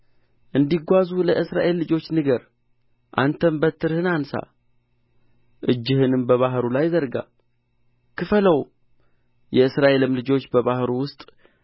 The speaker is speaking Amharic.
እንዲጓዙ ለእስራኤል ልጆች ንገር አንተም በትርህን አንሣ እጅህንም በባሕሩ ላይ ዘርጋ ክፈለውም የእስራኤልም ልጆች በባሕሩ ውስጥ